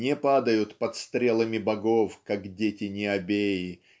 не падают под стрелами богов как дети Ниобеи